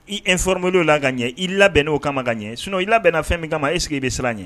I e frbolo la ka ɲɛ i labɛn bɛn n'o kama ka ɲɛ sun i labɛn bɛnna fɛn min kama ma e sigi i bɛ siran ɲɛ